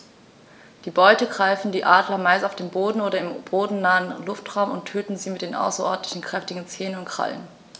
Die Beute greifen die Adler meist auf dem Boden oder im bodennahen Luftraum und töten sie mit den außerordentlich kräftigen Zehen und Krallen.